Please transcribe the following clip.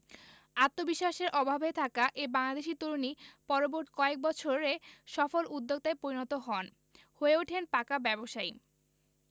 আত্মবিশ্বাসের অভাবে থাকা এই বাংলাদেশি তরুণই পরবর্তী কয়েক বছরে সফল উদ্যোক্তায় পরিণত হন হয়ে ওঠেন পাকা ব্যবসায়ী